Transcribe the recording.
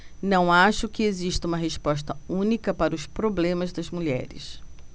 não acho que exista uma resposta única para os problemas das mulheres